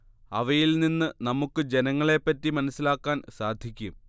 അവയിൽ നിന്ന് നമുക്ക് ജനങ്ങളെ പറ്റി മനസ്സിലാക്കാൻ സാധിക്കും